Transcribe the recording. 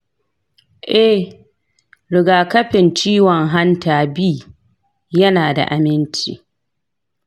eh, rigakafin ciwon hanta b yana da aminci.